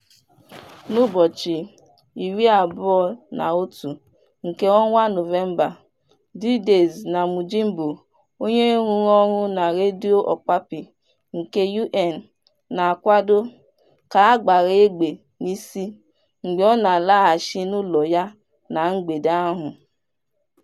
N'ụbọchị 21 nke ọnwa Nọvemba Didace Namujimbo, onye rụrụ ọrụ na Redio Okapi nke UN na-akwado, ka a gbara egbe n'isi mgbe ọ na-alaghachi n'ụlọ ya na mgbede ahụ.